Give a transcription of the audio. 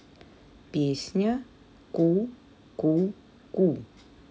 песня ку ку ку